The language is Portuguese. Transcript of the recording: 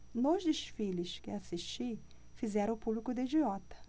nos desfiles que assisti fizeram o público de idiota